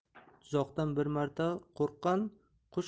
tuzoqdan bir marta qo'rqqan qush